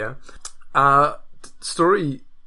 ...ie? a t- stori